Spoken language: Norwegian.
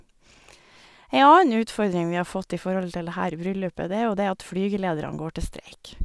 Ei annen utfordring vi har fått i forhold til det her bryllupet, det er jo det at flygelederne går til streik.